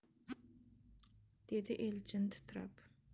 dedi elchin titrab